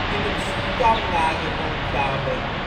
in het Stammlager omkwamen